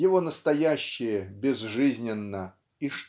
Его настоящее безжизненно и